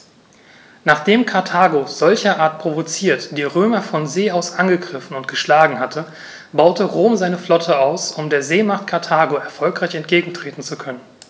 Nachdem Karthago, solcherart provoziert, die Römer von See aus angegriffen und geschlagen hatte, baute Rom seine Flotte aus, um der Seemacht Karthago erfolgreich entgegentreten zu können.